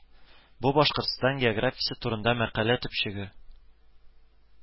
Бу Башкортстан географиясе турында мәкалә төпчеге